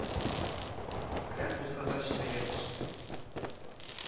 Белән булса да җинаять эше